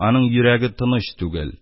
Аның йөрәге тыныч түгел,